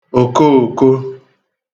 òkoòko